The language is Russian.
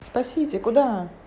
спасите куда